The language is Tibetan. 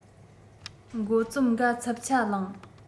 འགོ བརྩམས འགའ འཚུབ ཆ ལངས